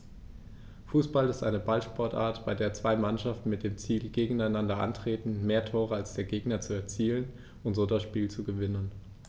Fußball ist eine Ballsportart, bei der zwei Mannschaften mit dem Ziel gegeneinander antreten, mehr Tore als der Gegner zu erzielen und so das Spiel zu gewinnen.